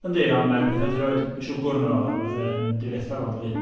Yndy, ond mae'r pethau ti'n rhoid siwgr ynddo fo. A pethau yn diffetha fo yn dydy.